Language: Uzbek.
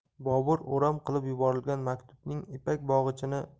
bobur o'ram qilib yuborilgan maktubning ipak bog'ichini